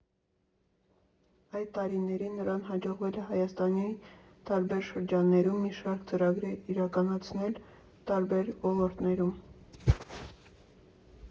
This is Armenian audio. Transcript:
Այդ տարիներին նրան հաջողվել է Հայաստանի տարբեր շրջաններում մի շարք ծրագրեր իրականացնել տարբեր ոլորտներում։